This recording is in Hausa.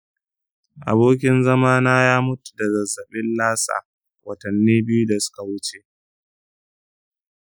abokin zama na ya mutu da zazzabin lassa watanni biyu da suka wuce.